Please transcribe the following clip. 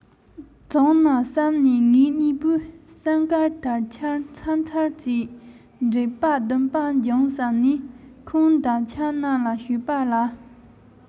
བྱུང ན བསམས ནས ངེད གཉིས པོས བསམ དཀར དར ཆེན འཕྱར འཕྱར བྱས འགྲིག པ སྡུམ པ འབྱུང བསམ ནས ཁོང འདབ ཆགས རྣམས ལ ཞུས པ ལ